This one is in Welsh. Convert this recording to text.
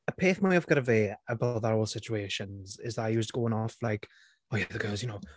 Y peth mwyaf gyda fe, about that whole situations, is that he was going off like, "Oh yeah, but the girls you know?"